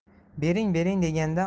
bering bering deganda